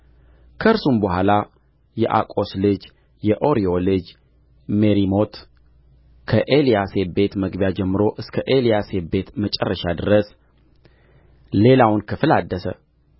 ከእርሱም በኋላ የአቆስ ልጅ የኦርዮ ልጅ ሜሪሞት ከኤልያሴብ ቤት መግቢያ ጀምሮ እስከ ኤልያሴብ ቤት መጨረሻ ድረስ ሌላውን ክፍል አደሰ